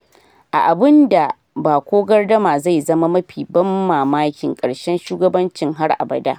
A abun da ba ko gardama zai zama “mafi ban mamakin karshen shugabanci har abada!”